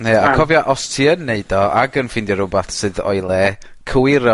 Ie a cofia, os ti yn neud o ac yn ffeindio rwbath sydd o'i le cywiro